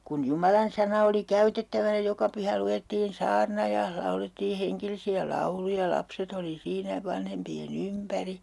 kun jumalansana oli käytettävänä ja joka pyhä luettiin saarna ja laulettiin hengellisiä lauluja ja lapset oli siinä vanhempien ympäri